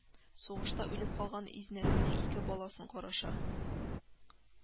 Сугышта үлеп калган изнәсенең ике баласын караша